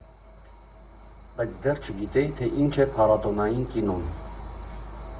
Բայց դեռ չգիտեի, թե ինչ է փառատոնային կինոն…